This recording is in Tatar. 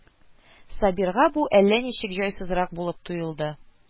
Сабирга бу әллә ничек җайсызрак булып тоелды